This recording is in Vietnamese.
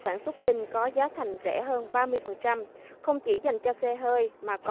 sản xuất binh có giá thành rẻ hơn ba mươi phần trăm không chỉ dành cho xe hơi mà